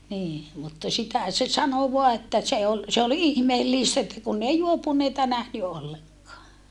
niin mutta sitä se sanoi vain että se oli se oli ihmeellistä että kun ei juopuneita nähnyt ollenkaan